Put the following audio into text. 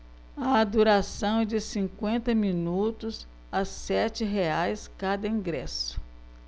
a duração é de cinquenta minutos a sete reais cada ingresso